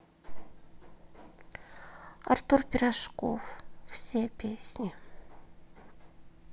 артур пирожков все песни